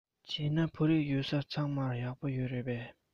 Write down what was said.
བྱས ན བོད རིགས ཡོད ས ཚང མར གཡག ཡོད རེད པས